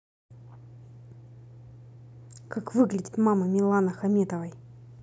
как выглядит мама милана хаметовой